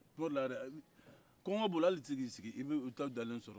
tuma dɔ la yɛrɛ kɔgɔn bolo hali i tɛ se k'i sigi i bɛ u bɛ taa aw dalen sɔrɔ